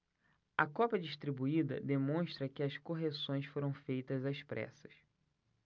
a cópia distribuída demonstra que as correções foram feitas às pressas